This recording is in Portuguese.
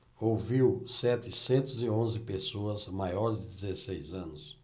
ouviu setecentos e onze pessoas maiores de dezesseis anos